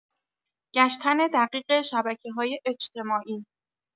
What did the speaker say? گشتن دقیق شبکه‌های اجتماعی